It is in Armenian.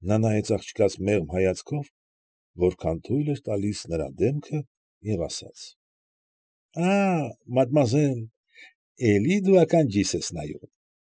Նա նայեց աղջկաս մեղմ հայացքով, որքան թույլ էր տալիս դեմքը և ասաց. ֊ Աա՜, մադմուազել, էլի դու ականջիս ես նայում։